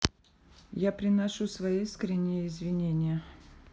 я приношу свои искренние извинения